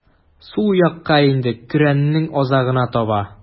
Сул якка инде, Коръәннең азагына таба.